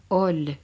oli